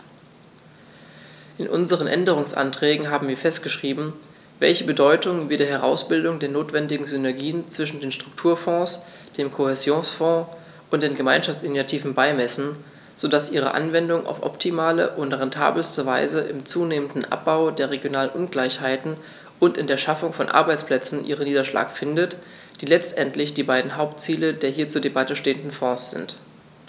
In unseren Änderungsanträgen haben wir festgeschrieben, welche Bedeutung wir der Herausbildung der notwendigen Synergien zwischen den Strukturfonds, dem Kohäsionsfonds und den Gemeinschaftsinitiativen beimessen, so dass ihre Anwendung auf optimale und rentabelste Weise im zunehmenden Abbau der regionalen Ungleichheiten und in der Schaffung von Arbeitsplätzen ihren Niederschlag findet, die letztendlich die beiden Hauptziele der hier zur Debatte stehenden Fonds sind.